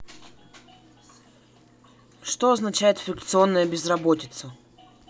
что означает фрикционная безработица